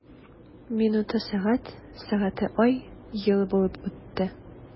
Минуты— сәгать, сәгате— ай, ел булып үтте.